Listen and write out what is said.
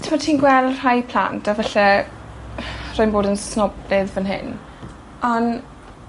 t'bod ti'n gweld rhai plant a falle rwy'n fod yn snoblyd fan hyn on'